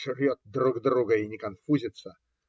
Жрет друг друга и не конфузится.